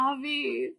A fi.